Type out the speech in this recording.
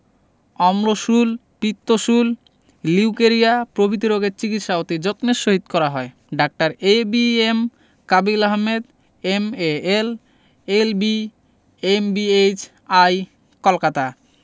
অম্লশূল পিত্তশূল লিউকেরিয়া প্রভৃতি রোগের চিকিৎসা অতি যত্নের সহিত করা হয় ডাঃ A B M Kabil Ahmed M A L L B M B H I Kolkata